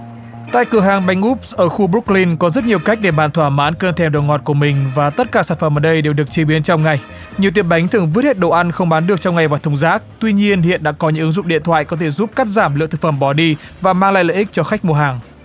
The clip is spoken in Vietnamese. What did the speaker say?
tại cửa hàng bánh úp ở khu bờ rốc lin có rất nhiều cách để bạn thỏa mãn cơn thèm đồ ngọt của mình và tất cả sản phẩm ở đây đều được chế biến trong ngày như tiệm bánh thường vứt hết đồ ăn không bán được trong ngày vào thùng rác tuy nhiên hiện đã có những ứng dụng điện thoại có thể giúp cắt giảm lượng thực phẩm bỏ đi và mang lại lợi ích cho khách mua hàng